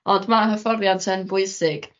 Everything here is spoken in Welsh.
Ond ma' hyfforddiant yn bwysig.